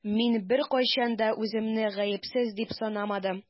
Мин беркайчан да үземне гаепсез дип санамадым.